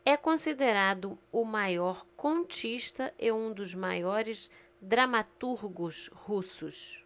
é considerado o maior contista e um dos maiores dramaturgos russos